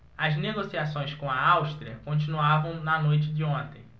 as negociações com a áustria continuavam na noite de ontem